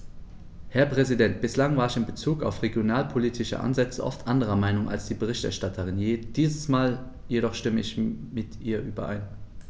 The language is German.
Herr Präsident, bislang war ich in Bezug auf regionalpolitische Ansätze oft anderer Meinung als die Berichterstatterin, diesmal jedoch stimme ich mit ihr überein.